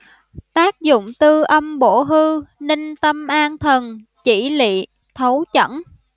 tác dụng tư âm bổ hư ninh tâm an thần chỉ lỵ thấu chẩn